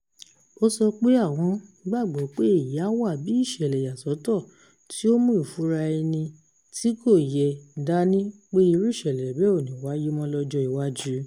Ó sọ pé àwọn “gbàgbọ́ pé èyí á wà bí ìṣẹ̀lẹ̀ ìyàsọ́tọ̀ tí ó mú ìfura ẹni tí kò yẹ dání pé irú ìṣẹ̀lẹ̀ bẹ́ẹ̀ ò ní wáyé mọ́ lọ́jọ́ iwájú.